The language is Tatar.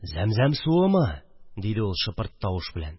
– зәмзәм суымы? – диде ул шыпырт тавыш белән